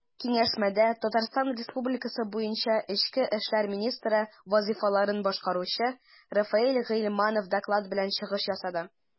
Киңәшмәдә ТР буенча эчке эшләр министры вазыйфаларын башкаручы Рафаэль Гыйльманов доклад белән чыгыш ясады.